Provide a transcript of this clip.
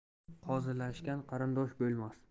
qozilashgan qarindosh bo'lmas